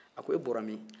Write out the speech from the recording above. a ko e bɔra min